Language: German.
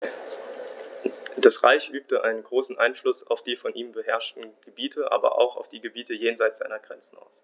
Das Reich übte einen großen Einfluss auf die von ihm beherrschten Gebiete, aber auch auf die Gebiete jenseits seiner Grenzen aus.